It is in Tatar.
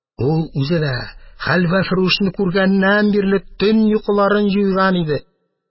Ул үзе дә, хәлвәфрүшне күргәннән бирле, төн йокыларын җуйган иде.